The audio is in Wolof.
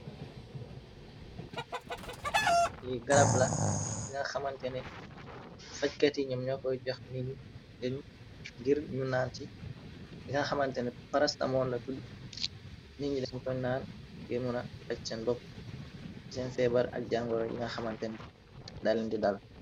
Lee garab la binga xamantene fajkati ñum ñukoy jox neetnye gir ñu naan ci binga xamantene parastamoon la tudu neetnye dang koye naan ngir muna faj seen bopp seen feebar ak jangoron yinga xamantene daline dal.